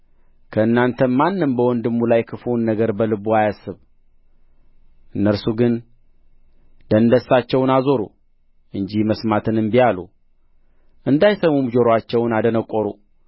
ከእናንተም ማንም በወንድሙ ላይ ክፉውን ነገር በልቡ አያስብ እነርሱ ግን ደንደሳቸውን አዞሩ እንጂ መስማትን እምቢ አሉ እንዳይሰሙም ጆሮአቸውን አደነቈሩ